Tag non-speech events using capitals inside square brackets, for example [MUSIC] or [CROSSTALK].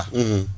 [HESITATION] [HESITATION]